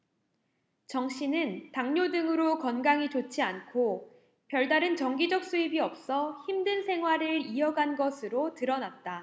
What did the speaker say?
정씨는 당뇨 등으로 건강이 좋지 않고 별다른 정기적 수입이 없어 힘든 생활을 이어간 것으로 드러났다